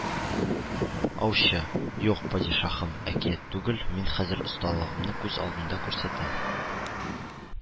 Аучы: «Юк, падишаһым, әкият түгел, мин хәзер осталыгымны күз алдында күрсәтәм